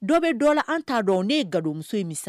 Dɔ be dɔ la an ta dɔn. Ne ye gadonmuso misait